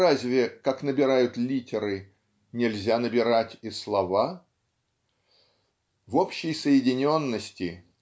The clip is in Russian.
Разве, как набирают литеры, нельзя набирать и слов? В общей соединенности